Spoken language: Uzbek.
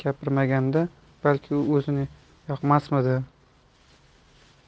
gapirmaganda balki u o'zini yoqmasmidi